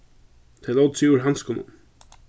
tey lótu seg úr handskunum